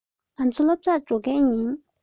ང ཚོ སློབ གྲྭར འགྲོ གི ཡིན